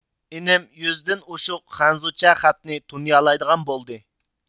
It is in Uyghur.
ئىنىم يۈزدىن ئوشۇق خەنزۇرچە خەتنى تونۇيالايدىغان بولدى